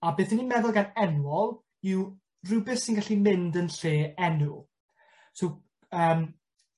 A beth 'yn ni'n meddwl gan enwol yw rwbeth sy'n gallu mynd yn lle enw. So yym